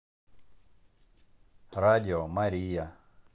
радио мария